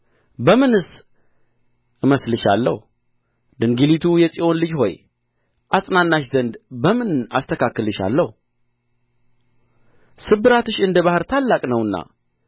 በምንስ እመስልሻለሁ ድንግሊቱ የጽዮን ልጅ ሆይ አጽናናሽ ዘንድ በምን አስተካክልሻለሁ ስብራትሽ እንደ ባሕር ታላቅ ነውና